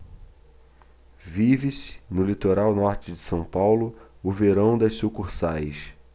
vive-se no litoral norte de são paulo o verão das sucursais